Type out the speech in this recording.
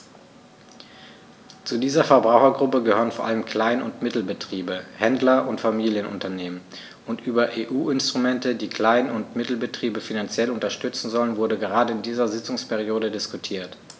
Zu dieser Verbrauchergruppe gehören vor allem Klein- und Mittelbetriebe, Händler und Familienunternehmen, und über EU-Instrumente, die Klein- und Mittelbetriebe finanziell unterstützen sollen, wurde gerade in dieser Sitzungsperiode diskutiert.